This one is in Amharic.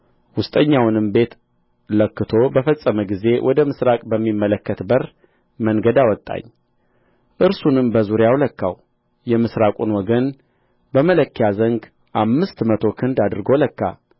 ውስጠኛውንም ቤት ለክቶ በፈጸመ ጊዜ ወደ ምሥራቅ በሚመለከት በር መንገድ አወጣኝ እርሱንም በዙሪያው ለካው የምሥራቁን ወገን በመለኪያ ዘንግ አምስት መቶ ክንድ አድርጎ ለካ